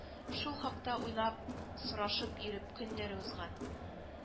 Шул хакта уйлап, сорашып йөреп көннәре узган